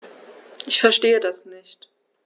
Verstehe das nicht.